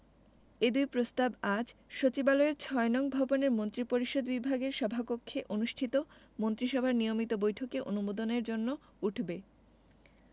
এ দুই প্রস্তাব আজ সচিবালয়ের ৬ নং ভবনের মন্ত্রিপরিষদ বিভাগের সভাকক্ষে অনুষ্ঠিত মন্ত্রিসভার নিয়মিত বৈঠকে অনুমোদনের জন্য উঠবে